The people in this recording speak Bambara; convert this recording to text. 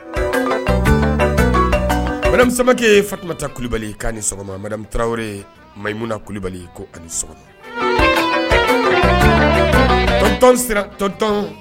madame Samake fatumata Kulibali k'a ni sɔgɔma madame Tarawele mayimuna kulubali, ko a ni su , tonton Sira tonton